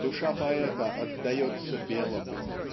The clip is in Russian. Душа поэта отдается белому